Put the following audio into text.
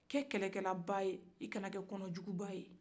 kɛ kɛlɛkɛlaba ye i ka na kɛ kɔnɔjuguba ye